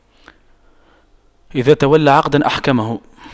إذا تولى عقداً أحكمه